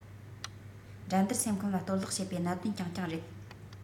འགྲན བསྡུར སེམས ཁམས ལ གཏོར བརླག བྱེད པའི གནད དོན རྐྱང རྐྱང རེད